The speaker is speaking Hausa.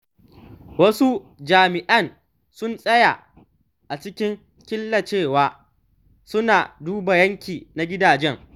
Wasu jami’an sun tsaya a cikin killecewar suna duba yanki na gidajen.